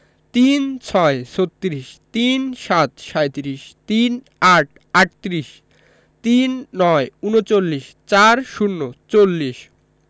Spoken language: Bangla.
৩৬ ছত্রিশ ৩৭ সাঁইত্রিশ ৩৮ আটত্রিশ ৩৯ ঊনচল্লিশ ৪০ চল্লিশ